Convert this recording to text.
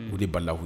O de balafu ye